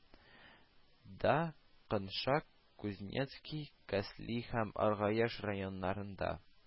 Да, коншак, кузнецкий, кәсли һәм аргаяш районнарында